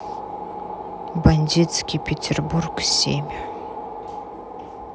бандитский петербург семь